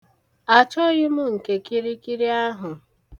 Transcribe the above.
Achọghị m nke kịrịkịrị ahụ.